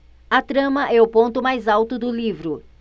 a trama é o ponto mais alto do livro